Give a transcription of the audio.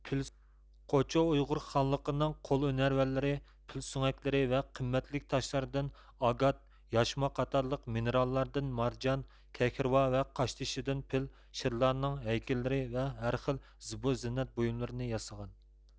قوچۇ ئۇيغۇر خانلىقىنىڭ قول ھۈنەرۋەنلىرى پىل سۆڭەكلىرى ۋە قىممەتلىك تاشلاردىن ئاگات ياشما قاتارلىق مىنېراللاردىن مارجان كەھرىۋا ۋە قاشتېشىدىن پىل شىرلارنىڭ ھەيكەللىرى ۋە ھەرخىل زىبۇ زىننەت بۇيۇملىرىنى ياسىغان